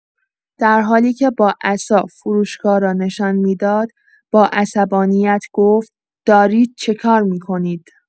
درحالی‌که با عصا فروشگاه را نشان می‌داد، با عصبانیت گفت: «دارید چه کار می‌کنید؟!»